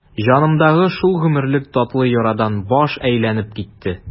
Җанымдагы шул гомерлек татлы ярадан баш әйләнеп китте.